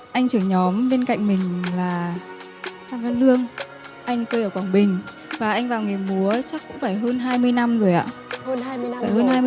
anh trưởng nhóm bên cạnh mình là phan văn lương anh quê ở quảng bình và anh vào nghề múa chắc cũng phải hơn hai mươi năm rồi ạ hơn hai năm hơn hai